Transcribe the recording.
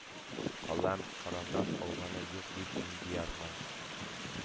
Каләм-карандаш алганы юк бит миндиярның.